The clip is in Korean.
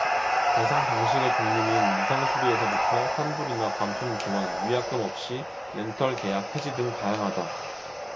배상 방식의 종류는 무상수리에서부터 환불이나 반품 교환 위약금없이 렌털계약 해지 등 다양하다